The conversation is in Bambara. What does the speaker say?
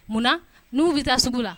Munna n'u bɛ taa sugu la